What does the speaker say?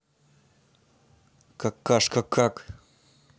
какашка как